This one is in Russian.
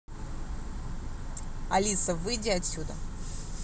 алиса выйди отсюда